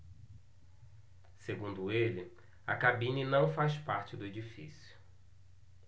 segundo ele a cabine não faz parte do edifício